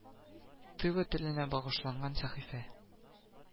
Тыва теленә багышланган сәхифә